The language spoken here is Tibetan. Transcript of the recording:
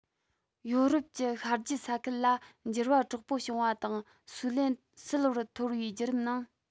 ཡོ རོབ ཀྱི ཤར རྒྱུད ས ཁུལ ལ འགྱུར བ དྲག པོ བྱུང བ དང སུའུ ལེན སིལ བུར འཐོར བའི བརྒྱུད རིམ ནང